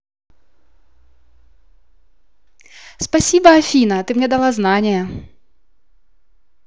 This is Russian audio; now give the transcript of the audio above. спасибо афина ты мне дала знания